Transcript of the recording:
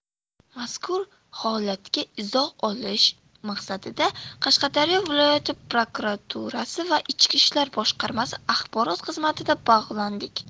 mazkur holatga izoh olish maqsadida qashqadaryo viloyati prokuraturasi va ichki ishlar boshqarmasi axborot xizmatiga bog'landik